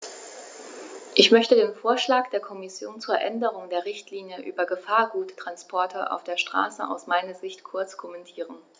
Ich möchte den Vorschlag der Kommission zur Änderung der Richtlinie über Gefahrguttransporte auf der Straße aus meiner Sicht kurz kommentieren.